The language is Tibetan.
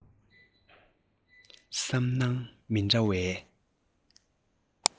བསམ སྣང མི འདྲ བའི